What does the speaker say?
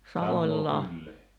-